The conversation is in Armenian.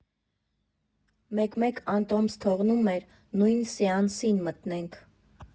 Մեկ֊մեկ անտոմս թողնում էր նույն սեանսին մտնենք։